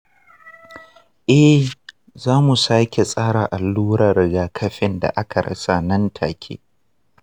eh, za mu sake tsara allurar rigakafin da aka rasa nan take.